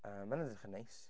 Yy mae'n edrych yn neis.